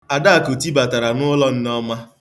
Adakụ tibatara n'ụlọ Nneọma.